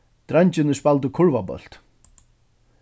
dreingirnir spældu kurvabólt